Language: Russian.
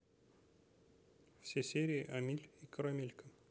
все серии амиль и карамелька